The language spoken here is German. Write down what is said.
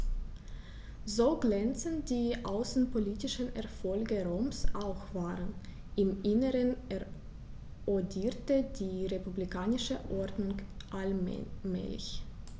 So glänzend die außenpolitischen Erfolge Roms auch waren: Im Inneren erodierte die republikanische Ordnung allmählich.